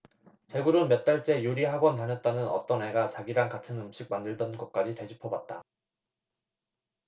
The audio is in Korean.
제굴은 몇 달째 요리 학원 다녔다는 어떤 애가 자기랑 같은 음식 만들던 것까지 되짚어봤다